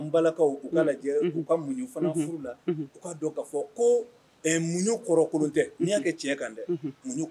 N balakaw lajɛ k'u ka muɲ fana furu la u'a dɔn k' fɔ ko muɲ kɔrɔkolon cɛ n y'a kɛ tiɲɛ kan dɛ mu